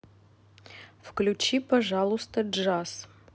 включи пожалуйста джаз